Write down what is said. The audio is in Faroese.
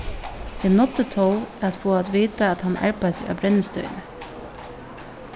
eg náddi tó at fáa at vita at hann arbeiddi á brennistøðini